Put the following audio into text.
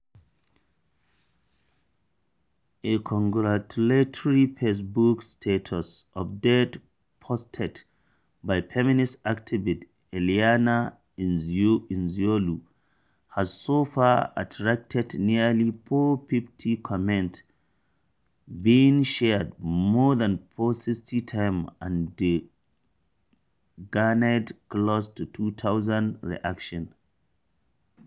A congratulatory Facebook status update posted by feminist activist Eliana Nzualo, has so far attracted nearly 450 comments, been shared more than 460 times, and garnered close to 2,000 reactions: